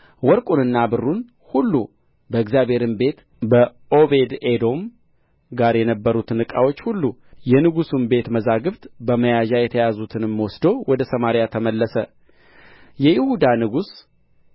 ወርቁንና ብሩን ሁሉ በእግዚአብሔርም ቤት ከዖቤድኤዶም ጋር የነበሩትን ዕቃዎች ሁሉ የንጉሡን ቤት መዛግብት በመያዣ የተያዙትንም ወስዶ ወደ ሰማርያ ተመለሰ የይሁዳም ንጉሥ